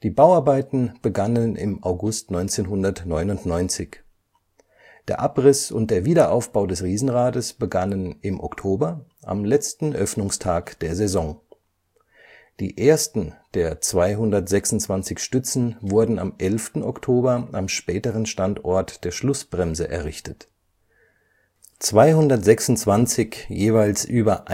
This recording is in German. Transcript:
Bauarbeiten begannen im August 1999. Der Abriss und der Wiederaufbau des Riesenrades begannen im Oktober, am letzten Öffnungstag der Saison. Die ersten der 226 Stützen wurden am 11. Oktober am späteren Standort der Schlussbremse errichtet. 226 jeweils über